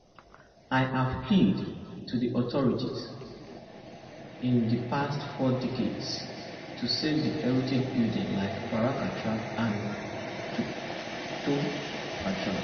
I have pleaded to the authorities in the past four decades to save the heritage buildings like Bara Katra and Choto Katra.